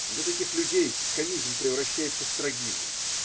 Для таких людей комизм превращается в трагизм.